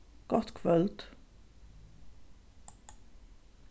gott kvøld